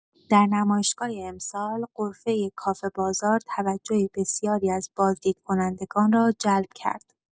در نمایشگاه امسال، غرفه کافه بازار توجه بسیاری از بازدیدکنندگان را جلب کرد.